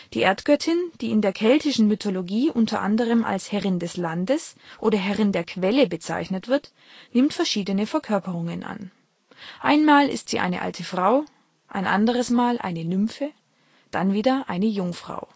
wird. Die Erdgöttin, die in der keltischen Mythologie u. a. als Herrin des Landes oder Herrin der Quelle bezeichnet wird, nimmt verschiedene Verkörperungen an: Einmal ist sie eine alte Frau, ein anderes Mal eine Nymphe, dann wieder eine Jungfrau